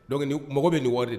Don mɔgɔ bɛ nin wari de